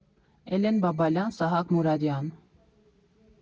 Էլեն Բաբալյան Սահակ Մուրադյան։